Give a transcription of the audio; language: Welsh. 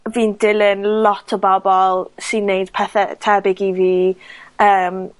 fi'n dilyn lot o bobol sy'n neud pethe tebyg i fi, yym